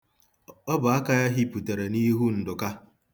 Ọbọaka ya hipụtara n'ihu Ndụka.